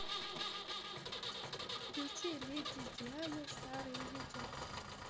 включи леди диана старые видео